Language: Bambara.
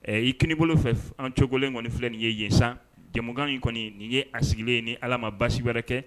Ɛ iini bolo fɛ an cogogolen kɔni filɛ nin ye yen san jamukan in kɔni nin ye a sigilen ni ala ma basi wɛrɛ kɛ